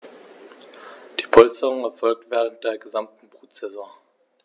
Diese Polsterung erfolgt während der gesamten Brutsaison.